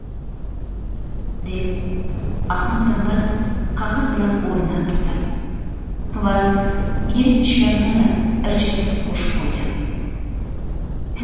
deb ahmad tanbal qahr bilan o'rnidan turdi va yirik tishlarini irjaytirib qo'shib qo'ydi